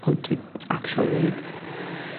Ond dwi actually ddim.